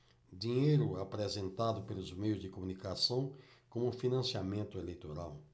dinheiro apresentado pelos meios de comunicação como financiamento eleitoral